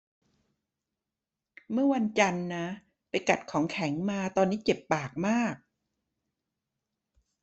เมื่อวันจันทร์นะไปกัดของแข็งมาตอนนี้เจ็บปากมาก